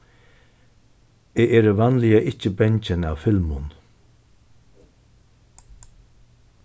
eg eri vanliga ikki bangin av filmum